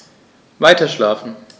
Weiterschlafen.